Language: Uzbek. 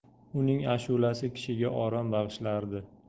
uning ashulasi kishiga orom bag'ishlardi